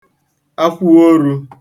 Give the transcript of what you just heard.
akwụorū